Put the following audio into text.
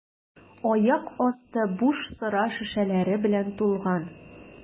Аяк асты буш сыра шешәләре белән тулган.